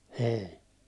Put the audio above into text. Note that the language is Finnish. ei